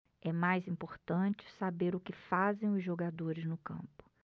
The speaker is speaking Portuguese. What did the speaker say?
é mais importante saber o que fazem os jogadores no campo